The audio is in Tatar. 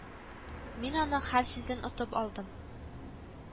Мин аның һәр сүзен отып алдым